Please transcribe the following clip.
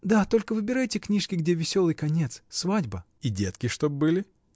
— Да, только выбирайте книжки, где веселый конец, свадьба. — И детки чтоб были?